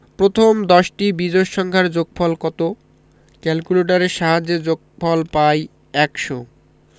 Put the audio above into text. প্রথম দশটি বিজোড় সংখ্যার যোগফল কত ক্যালকুলেটরের সাহায্যে যোগফল পাই ১০০